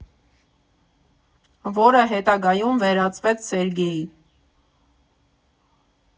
Որը հետագայում վերածվեց Սերգեյի։